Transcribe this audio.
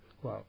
waaw